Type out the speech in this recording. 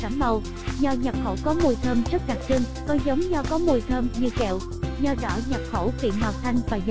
quả cứng và sẫm màu nho nhập khẩu có mùi thơm rất đặc trưng có giống nho có mùi thơm như kẹo nho đỏ nhập khẩu vị ngọt thanh và giòn